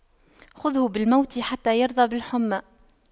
خُذْهُ بالموت حتى يرضى بالحُمَّى